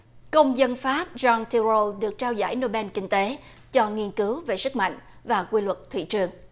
công dân pháp don tu rô được trao giải nô ben kinh tế chọn nghiên cứu về sức mạnh và quy luật thị trường